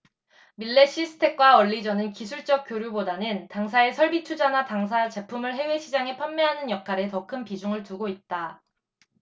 밀레시스텍과 얼리젼은 기술적 교류 보다는 당사에 설비 투자나 당사 제품을 해외시장에 판매하는 역할에 더 큰 비중을 두고 있다